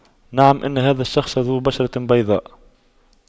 نعم ان هذا الشخص ذو بشرة بيضاء